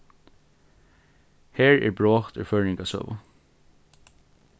her er brot úr føroyingasøgu